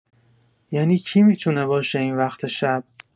ینی کی می‌تونه باشه این وقت شب؟